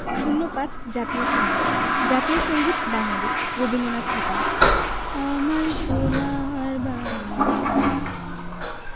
০৫ জাতীয় সংগীত জাতীয় সংগীত বাংলাদেশ রবীন্দনাথ ঠাকুর আমার সোনার বাংলা